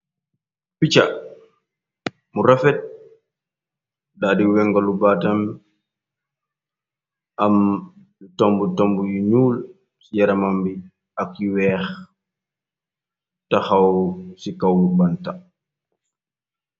Piccha bu rafet daa di wengalu baatam am tomb-tomb yu nuul yaramam bi ak yu weex taxaw ci kaw banta.